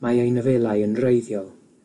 Mae ei nofelau yn wreiddiol,